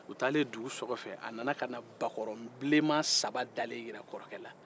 u taalen dugu so kɔfɛ a nana ka na bakɔrɔnbilenma saba dalen jira kɔrɔkɛ la